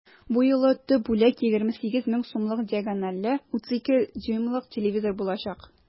Бу юлы төп бүләк 28 мең сумлык диагонале 32 дюймлык телевизор булачак.